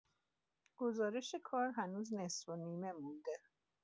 گزارش کار هنوز نصفه و نیمه مونده